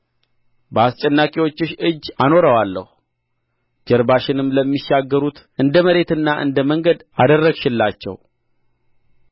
በአስጨናቂዎችሽ እጅ አኖረዋለሁ ጀርባሽንም ለሚሻገሩት እንደ መሬትና እንደ መንገድ አደረግሽላቸው